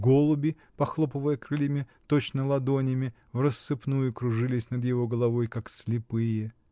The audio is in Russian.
Голуби, похлопывая крыльями, точно ладонями, врассыпную кружились над его головой, как слепые.